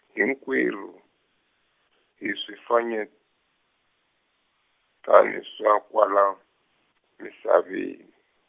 hinkwerhu hi swifanyetana swa kwala misaveni.